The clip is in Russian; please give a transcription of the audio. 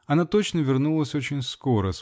Она точно вернулась очень скоро.